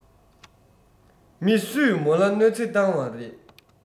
མི སུས མོ ལ གནོས ཚེ བཏང རེད